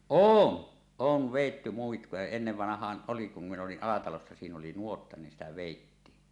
on on vedetty muikkuja ennen vanhaan oli kun minä olin Alatalossa siinä oli nuotta niin sitä vedettiin